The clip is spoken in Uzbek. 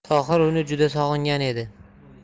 tohir uni juda sog'ingan edi